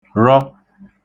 -rọ